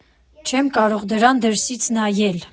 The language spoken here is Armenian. Չեմ կարող դրան դրսից նայել։